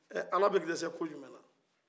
ɛ ala bɛ dɛsɛ ko jumɛ de la